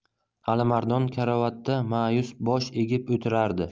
alimardon karavotda ma'yus bosh egib o'tirardi